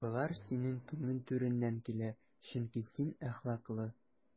Болар синең күңел түреннән килә, чөнки син әхлаклы.